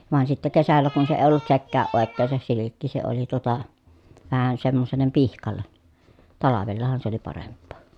vain sitten kesällä kun se ei ollut sekään oikein se silkki se oli tuota vähän semmoiselle pihkalle talvellahan se oli parempaa